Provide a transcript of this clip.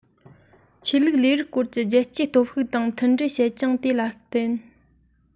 ཆོས ལུགས ལས རིགས སྐོར གྱི རྒྱལ གཅེས སྟོབས ཤུགས དང མཐུན སྒྲིལ བྱེད ཅིང དེ ལ བརྟེན